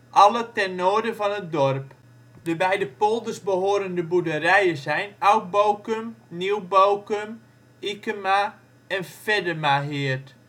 alle ten noorden van het dorp. De bij de polders horende boerderijen zijn: Oud Bokum, Nieuw Bokum, Ikema en Feddemaheerd